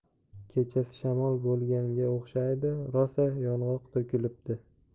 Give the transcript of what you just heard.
kechasi shamol bo'lganga o'xshaydi rosa yong'oq to'kilibdi